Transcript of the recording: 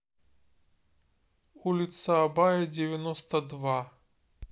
улица абая девяносто два